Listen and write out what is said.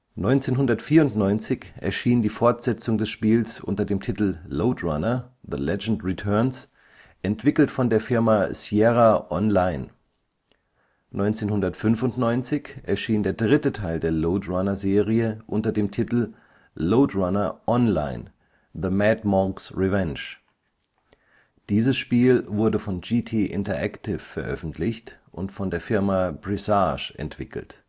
1994 erschien die Fortsetzung des Spiels unter dem Titel Lode Runner: The Legend Returns, entwickelt von der Firma Sierra On-Line. 1995 erschien der dritte Teil der Lode Runner-Serie unter dem Titel Lode Runner On-Line: The Mad Monks’ Revenge. Dieses Spiel wurde von GT Interactive veröffentlicht und von der Firma Presage entwickelt